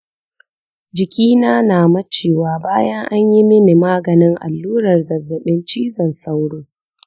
jiki na na mace wa bayan an yi mini maganin allurar zazzabin cizon sauro.